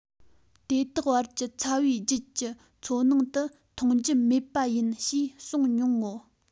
དེ དག བར གྱི ཚ བའི རྒྱུད ཀྱི མཚོ ནང དུ མཐོང རྒྱུ མེད པ ཡིན ཞེས གསུངས མྱོང ངོ